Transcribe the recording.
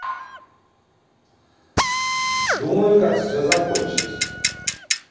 думаю как все закончить